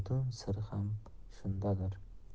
siri ham shundadir